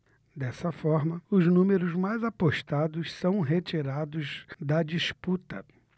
dessa forma os números mais apostados são retirados da disputa